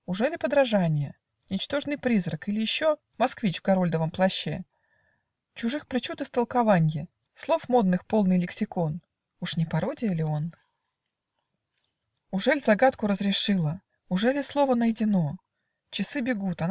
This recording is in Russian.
Ужели подражанье, Ничтожный призрак, иль еще Москвич в Гарольдовом плаще, Чужих причуд истолкованье, Слов модных полный лексикон?. Уж не пародия ли он? Ужель загадку разрешила? Ужели слово найдено? Часы бегут